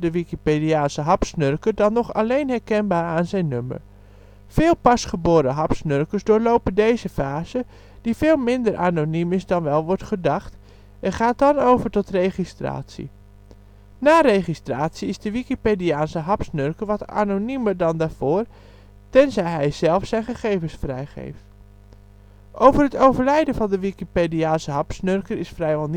Wikipediaanse hapsnurker dan nog alleen herkenbaar aan zijn nummer. Veel pasgeboren hapsnurkers doorlopen deze fase, die veel minder anoniem is dan wel wordt gedacht, en gaan dan over tot registratie. Na registratie is de Wikipediaanse hapsnurker wat anoniemer dan daarvoor, tenzij hij zelf zijn gegevens vrijgeeft. Over het overlijden van de Wikipediaanse hapsnurker is vrijwel